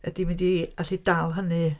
Ydy hi'n mynd i allu dal hynny?